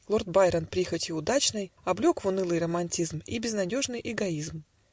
Лорд Байрон прихотью удачной Облек в унылый романтизм И безнадежный эгоизм.